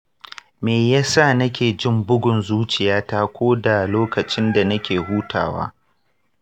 me ya sa nake jin bugun zuciyata ko da lokacin da nake hutawa?